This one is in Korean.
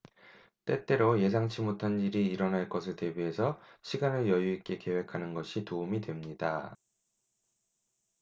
때때로 예상치 못한 일이 일어날 것을 대비해서 시간을 여유 있게 계획하는 것이 도움이 됩니다